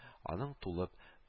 Аның тулып